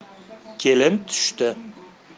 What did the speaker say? kelin tushdi